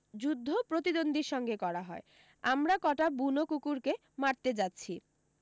যুদ্ধ প্রতিদ্বন্দ্বীর সঙ্গে করা হয় আমরা কটা বুনো কুকুরকে মারতে যাচ্ছি